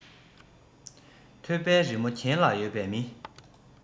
ཐོད པའི རི མོ གྱེན ལ ཡོད པའི མི